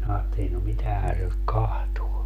minä ajattelin no mitähän se nyt katsoo